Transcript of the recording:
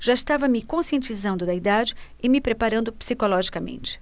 já estava me conscientizando da idade e me preparando psicologicamente